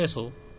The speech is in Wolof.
waaw